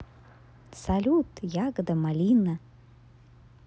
салют ягода малинка